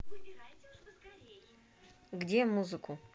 где я музыку